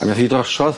A mi ath hi drosodd.